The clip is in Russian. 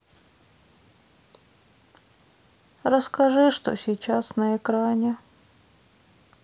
расскажи что сейчас на экране